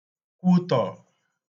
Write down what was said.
kwutọ̀